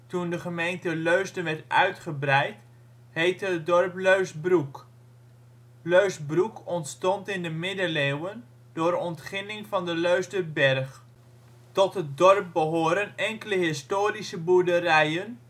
toen de gemeente Leusden werd uitgebreid, heette het dorp Leusbroek. Leusbroek ontstond in de Middeleeuwen door ontginning van de Leusderberg. Tot het dorp behoren enkele historische boerderijen